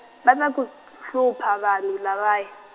va ta ku hlupha vanhu lavay-.